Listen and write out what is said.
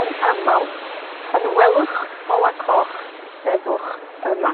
yn amal, pan welwch ola coch, sefwch yma.